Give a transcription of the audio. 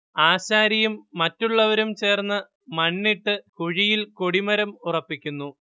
ആശാരിയും മറ്റുള്ളവരും ചേർന്ന് മണ്ണിട്ട് കുഴിയിൽ കൊടിമരം ഉറപ്പിക്കുന്നു